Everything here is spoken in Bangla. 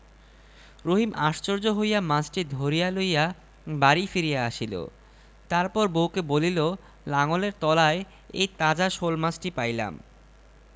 আনিয়া বউকে দিলাম পাক করিতে এই রাক্ষসী সেটা নিজেই খাইয়া ফেলিয়াছে আর আমার জন্য রাখিয়াছে এই মরিচ পোড়া আর ভাত আপনারাই বিচার করেন